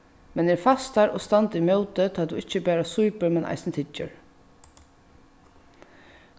men eru fastar og standa ímóti tá tú ikki bara sýpur men eisini tyggir